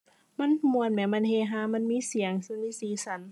มันม่วนแหม มันเฮฮา มันมีเสียง มีสีสัน